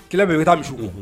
Kɛlɛ bɛ i bɛ taa misi kun